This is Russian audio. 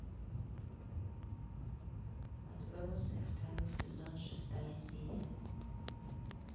отбросы второй сезон шестая серия